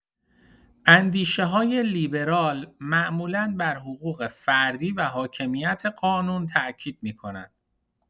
اندیشه‌های لیبرال معمولا بر حقوق فردی و حاکمیت قانون تاکید می‌کند.